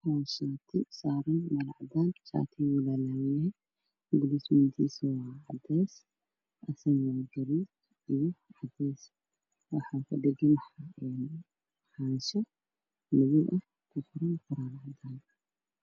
Waa shaati saaran meel cadaan ah. Shaatigu waa laalaaban yahay guluustiisu waa cadeys, asna waa garee iyo cadeys. Waxaa kudhagan xaanshi madow ah waxaa kuqoran qoraal cadaan ah.